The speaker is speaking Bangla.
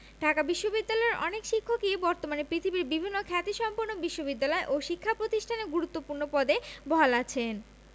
ঢাকা বিশ্ববিদ্যালয়ের অনেক শিক্ষকই বর্তমানে পৃথিবীর বিভিন্ন খ্যাতিসম্পন্ন বিশ্ববিদ্যালয় ও শিক্ষা প্রতিষ্ঠানে গুরুত্বপূর্ণ পদে বহাল আছেন